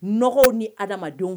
N nɔgɔw ni ha adamadenw